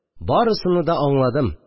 Барысыны да аңладым